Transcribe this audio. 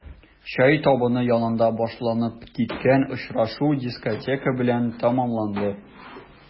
Чәй табыны янында башланып киткән очрашу дискотека белән тәмамланды.